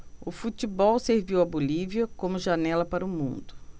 o futebol serviu à bolívia como janela para o mundo